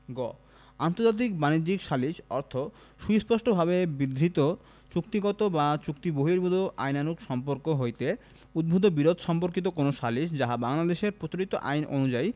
গ আন্তর্জাতিক বাণিজ্যিক সালিস অর্থ সুস্পষ্টভাবে বিধৃত চুক্তিগত বা চুক্তিবহির্ভুত আইনানুগ সম্পর্ক হইতে উদ্ভুত বিরোধ সম্পর্কিত কোন সালিস যাহা বাংলাদেশের প্রচলিত আইন অনুযায়ী